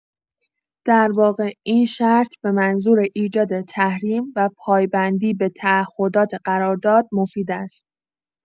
در واقع، این شرط به‌منظور ایجاد تحریم و پایبندی به تعهدات قرارداد مفید است.